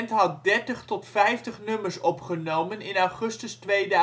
had dertig tot vijftig nummers opgenomen in augustus 2006